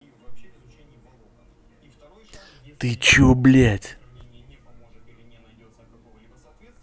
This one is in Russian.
ты че блядь